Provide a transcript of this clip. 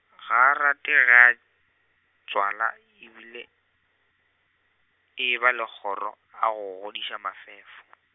ga a rate ga tswala , ebile, eba le kgoro a go godiša Mafefo.